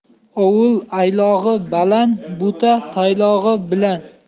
ovul aylog'i balan bo'ta taylog'i bilan